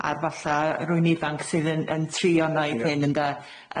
ar falla yy rywun ifanc sydd yn yn trio neud hyn ynde?